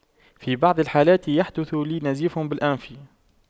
في بعض الحالات يحدث لي نزيف بالأنف